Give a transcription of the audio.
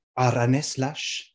Ar ynys lysh.